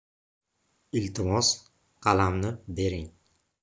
iltimos qalamni bering